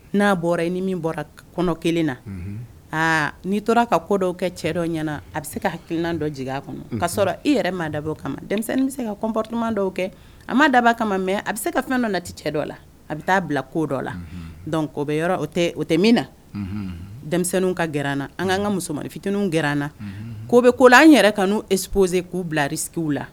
N'a bɔra ni min bɔra kɔnɔ kelen na aa n'i tora ka ko dɔw kɛ cɛdɔ ɲɛna a bɛ se ka hakililina dɔ jiginig kɔnɔ ka sɔrɔ i yɛrɛ maa dabɔ o kama bɛ se kapttoman dɔw kɛ a ma daba kama mɛ a bɛ se ka fɛn dɔ na tɛ cɛ dɔ la a bɛ taa bila ko dɔ la kɔ bɛ yɔrɔ o tɛ min na denmisɛnnin ka gna an ka'an ka musomanmani fitw g na ko bɛ kola an yɛrɛ ka n'u epose k'u bilari sigiw la